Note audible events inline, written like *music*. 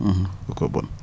*hesitation* *hesitation* kookoo bo